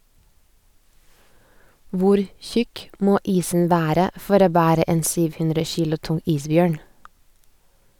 Hvor tjukk må isen være for å bære en 700 kilo tung isbjørn?